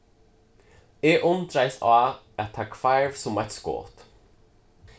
eg undraðist á at tað hvarv sum eitt skot